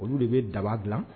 Olu de bɛ daba dilan